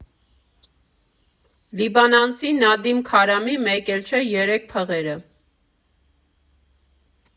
Լիբանանցի Նադիմ Քարամի մեկ էլ չէ՝ երեք փղերը։